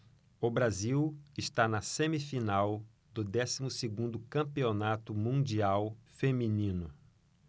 o brasil está na semifinal do décimo segundo campeonato mundial feminino